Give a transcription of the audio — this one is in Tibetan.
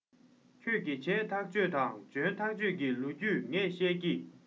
ཁྱོད ཀྱིས བྱས ཐག ཆོད དང འཇོན ཐག ཆོད ཀྱི ལོ རྒྱུས ངས བཤད ཀྱིས